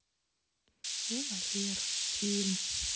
револьвер фильм